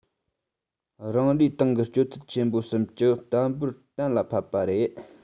རང རེའི ཏང གི སྤྱོད ཚུལ ཆེན པོ གསུམ གྱི དང པོར གཏན ལ ཕབ པ རེད